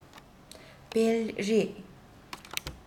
སྤེལ རེས